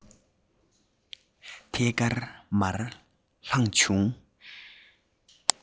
ཐད ཀར མར ལྷུང བྱུང